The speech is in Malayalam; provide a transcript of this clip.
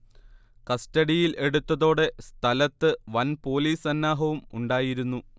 കസ്റ്റഡിയിൽ എടുത്തതോടെ സ്ഥലത്ത് വൻ പോലീസ് സന്നാഹവും ഉണ്ടായിരുന്നു